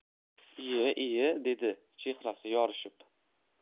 iye iye dedi chehrasi yorishib